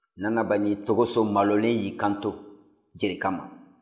nanaba ni togoso malolen y'i kanto jerika ma